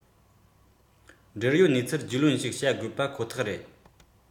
འབྲེལ ཡོད གནས ཚུལ རྒྱུས ལོན ཞིག བྱ དགོས པ ཁོ ཐག རེད